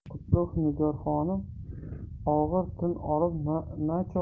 qutlug' nigor xonim og'ir tin olib nachora